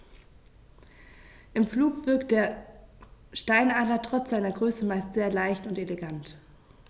Im Flug wirkt der Steinadler trotz seiner Größe meist sehr leicht und elegant.